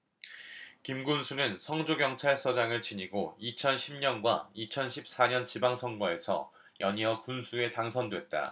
김 군수는 성주경찰서장을 지내고 이천 십 년과 이천 십 사 년 지방선거에서 연이어 군수에 당선됐다